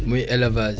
muy élevage